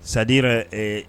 Sadi yɛrɛ